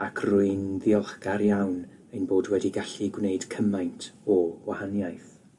Ac rwy'n ddiolchgar iawn ein bod wedi gallu gwneud cymaint o wahaniaeth.